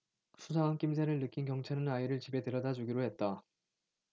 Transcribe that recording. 수상한 낌새를 느낀 경찰은 아이를 집에 데려다 주기로 했다